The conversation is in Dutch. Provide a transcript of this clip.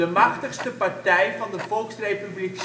machtigste partij van de Volksrepubliek